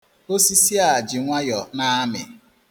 Osisi a ji nwayọ na-amị.